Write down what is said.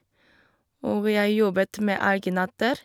Og jeg jobbet med alginater.